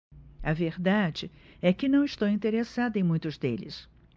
a verdade é que não estou interessado em muitos deles